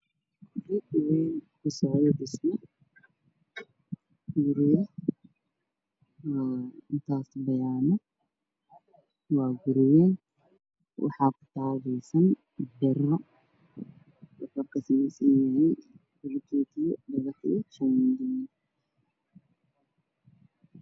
Waa guri weyn oo ku socda dhismo guriga wuxuu ka kooban yahay shambiyaano waxaa dabaqa ugu korey sameynayo nin muto dheer jaallaa